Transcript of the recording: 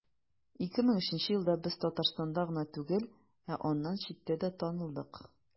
2003 елда без татарстанда гына түгел, ә аннан читтә дә танылдык.